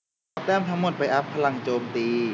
เอาแต้มทั้งหมดไปอัพพลังโจมตี